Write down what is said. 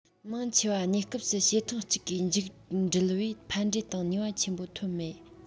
མང ཆེ བ གནས སྐབས སུ བྱེད ཐེངས གཅིག གིས མཇུག འགྲིལ བས ཕན འབྲས དང ནུས པ ཆེན པོ ཐོན མེད